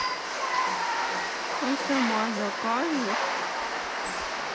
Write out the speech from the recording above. а сама закажешь